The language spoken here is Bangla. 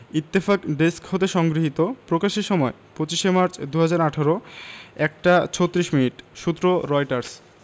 ইত্তেফাক ডেস্ক হতে সংগৃহীত প্রকাশের সময় ২৫মার্চ ২০১৮ ১ টা ৩৬ মিনিট সূত্রঃ রয়টার্স